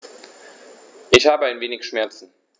Ich habe ein wenig Schmerzen.